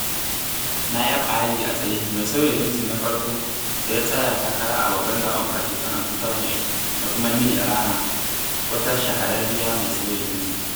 Nayaab Ali (a tsaye), mai sauya jinsi na farko da ya tsaya takara a babban zaɓen Pakistan a 2008, da kuma Neeli Rana, wata shahararriya mai sauya jinsi.